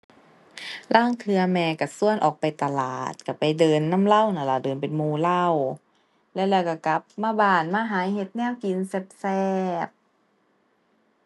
ลางเทื่อแม่ก็ก็ออกไปตลาดก็ไปเดินนำเลานั่นล่ะเดินเป็นหมู่เลา แล้วแล้วก็กลับมาบ้านมาหาเฮ็ดแนวกินแซ่บแซ่บ